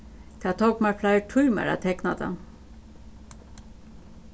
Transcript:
tað tók mær fleiri tímar at tekna tað